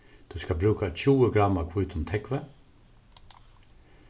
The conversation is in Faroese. tú skalt brúka tjúgu gramm av hvítum tógvi